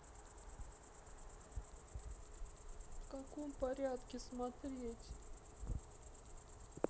в каком порядке смотреть